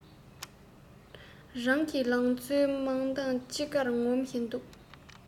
རང གི ལང ཚོའི དམར མདངས ཅི དགར ངོམ བཞིན དུ